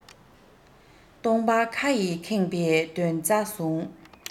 སྟོང པ ཁ ཡིས ཁེངས པའི དོན རྩ བཟུང